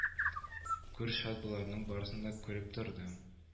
Күр шад боларның барысын да күреп торды